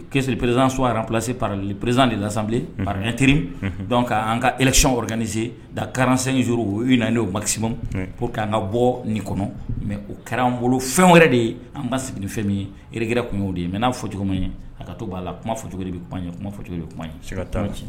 Kiurere perez ssoyara plasesi pal perez de lasanle pa teri dɔnku' an ka siɔn wɛrɛse da karansan inururu u na masima po que an ka bɔ nin kɔnɔ mɛ o kɛra anan bolo fɛn wɛrɛ de ye an ka sigi ni fɛn min ye iɛrɛ tun y o de ye mɛ n'a fɔ cogo min ye a ka to b'a la kuma fɔ cogo de bɛ kuma ye kuma fɔ cogo de bɛ kuma ye tiɲɛ